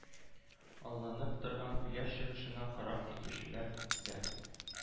Алланып торган кояш чыгышына карап китүчеләр дә